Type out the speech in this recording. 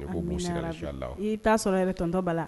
I t'a sɔrɔ yɛrɛ bɛ ttɔba la